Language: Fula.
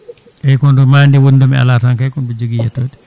eyyi ko demade woni demi ala tan kay kono mbiɗo jogui yettode